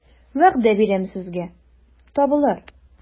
Вәгъдә бирәм сезгә, табылыр...